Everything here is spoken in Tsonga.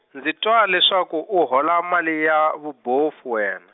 ndzi twa leswaku u hola mali ya vubofu wena.